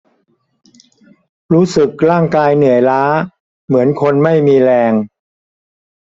รู้สึกร่างกายเหนื่อยล้าเหมือนคนไม่มีแรง